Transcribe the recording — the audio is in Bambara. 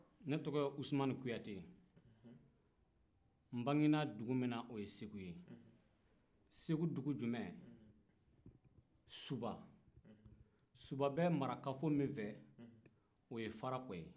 ne tɔgɔ ye usumani kuyate n bange na dugu min na o ye segu ye segu dugu jumɛ suba suba bɛ marakafo min fɛ o ye farakɔ ye